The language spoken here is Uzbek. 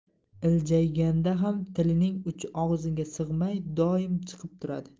iljayganda ham tilining uchi og'ziga sig'may doim chiqib turadi